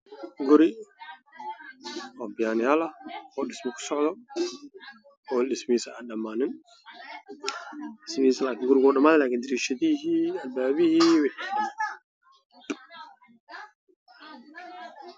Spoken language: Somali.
Guri oo dhismo ku socdo oo dhismihiisa aan wali Dhamaan